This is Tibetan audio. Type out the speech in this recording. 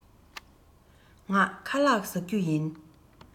ང ཁ ལག བཟའ རྒྱུ ཡིན